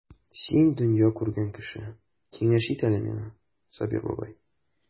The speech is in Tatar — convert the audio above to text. Син дөнья күргән кеше, киңәш ит әле миңа, Сабир бабай.